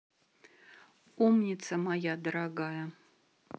умница моя дорогая